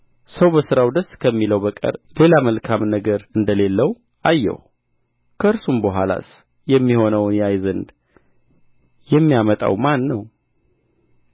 ሰው በሥራው ደስ ከሚለው በቀር ሌላ መልካም ነገር እንደሌለው አየሁ ከእርሱ በኋላስ የሚሆነውን ያይ ዘንድ የሚያመጣው ማን ነው